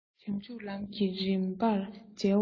བྱང ཆུབ ལམ གྱི རིམ པར མཇལ བ ན